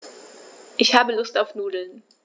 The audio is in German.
Ich habe Lust auf Nudeln.